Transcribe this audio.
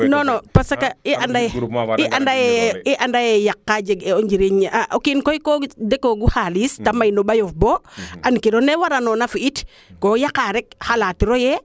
non non parce que i andaye yaq kaa jeg o njiriñ o kiin koy ko dekoogu xalis te may no mbayof boo an kiro ne waranoona fi it koo yaqa rek xalatiro yee